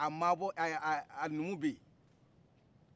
a numu beyi